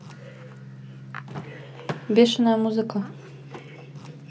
бешеная музыка